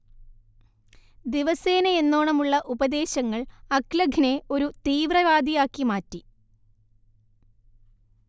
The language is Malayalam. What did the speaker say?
ദിവസേനയെന്നോണമുള്ള ഉപദേശങ്ങൾ അഖ്ലഖിനെ ഒരു തീവ്രവാദിയാക്കി മാറ്റി